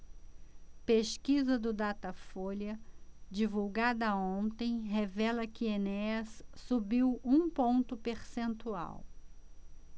pesquisa do datafolha divulgada ontem revela que enéas subiu um ponto percentual